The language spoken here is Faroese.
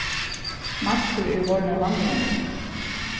maskur eru vorðnar vanligar nú